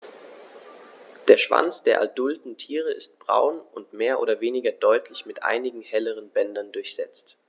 Der Schwanz der adulten Tiere ist braun und mehr oder weniger deutlich mit einigen helleren Bändern durchsetzt.